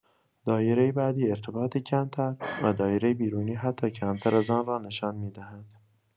دایره بعدی ارتباط کمتر، و دایره بیرونی حتی کمتر از آن را نشان می‌دهد.